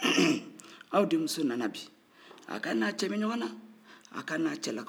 aa k'a n'a cɛ bɛ ɲɔgɔn na aa k'a n'a cɛlakaw bɛ ɲɔgɔn na